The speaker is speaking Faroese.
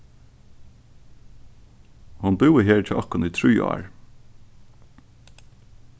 hon búði her hjá okkum í trý ár